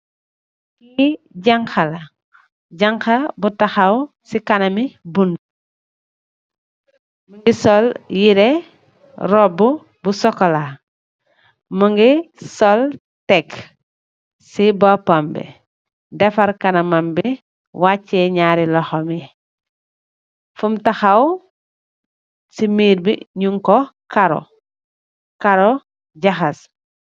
Kee janha la janha bu tahaw se kaname bountu muge sol yereh roubu bu sokula muge sol tekk se bopambe defarr kanamam be wache nyare lohom ye fum tahaw se merr be nung ku karou, karou jahas.